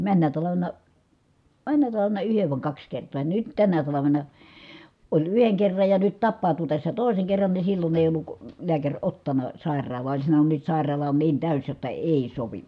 menneenä talvena menneenä talvena yhden vai kaksi kertaa ja nyt tänä talvena oli yhden kerran ja nyt tapautui tässä toisen kerran niin silloin ei ollut lääkäri ottanut sairaalaan oli sanonut nyt sairaala on niin täysi jotta ei sovi